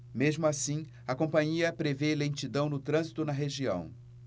mesmo assim a companhia prevê lentidão no trânsito na região